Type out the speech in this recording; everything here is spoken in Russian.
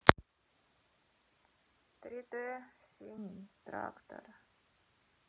три дэ синий трактор